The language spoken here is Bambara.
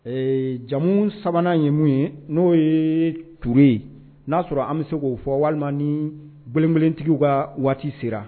Ee jJmu 3 nan ye mun ye n'o ye ture ye n'a sɔrɔ an bɛ se k'o fɔ walima ni gelen gelen tigiw ka waati sera.